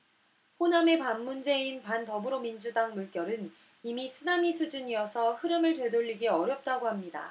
호남의 반문재인 반더불어민주당 물결은 이미 쓰나미 수준이어서 흐름을 되돌리기 어렵다고 합니다